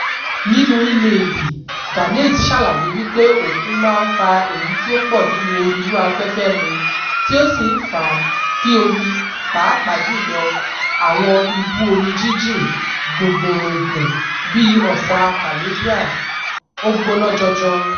Nínú ímeèlì, Ganase ṣàlàyé wípé òkun máa ń fa èyí tí ó pọ̀ nínú ooru inú afẹ́fẹ́ mu, tí ó sì ń fa kí omi — pàápàá jù lọ àwọn ibú omi jínjìn gbungbunrungbun bíi Ọ̀sàa Caribbean — ó gbóná janjan.